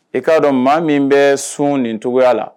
I k'a dɔn maa min bɛ sun nin cogoya la